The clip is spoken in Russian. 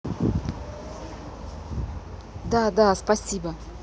да да да спасибо